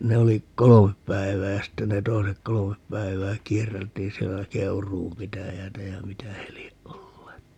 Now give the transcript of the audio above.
ne oli kolme päivää ja sitten ne toiset kolme päivää kierreltiin siellä Keuruun pitäjää ja mitä he lie olleet